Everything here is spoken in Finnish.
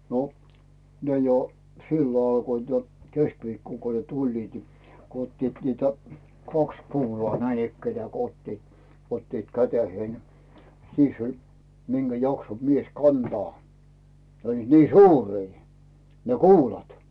no ne jo silloin alkoivat jo keskiviikkona kun ne tulivat niin kun ottivat niitä kaksi kuulaa näinikään kun ottivat ottivat käteen siis oli minkä jaksoi mies kantaa ne olivat niin suuria ne kuulat